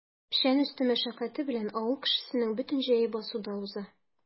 Печән өсте мәшәкате белән авыл кешесенең бөтен җәе басуда уза.